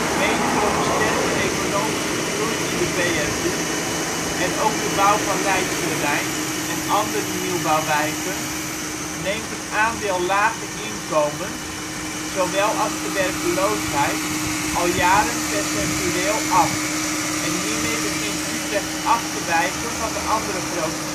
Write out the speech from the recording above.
Mede door een sterke economische groei in de BRU en ook de bouw van Leidsche Rijn (en andere nieuwbouwwijken) neemt het aandeel lage inkomens, zowel als de werkloosheid al enkele jaren percentueel af, en hiermee begint Utrecht af te wijken van de andere grote steden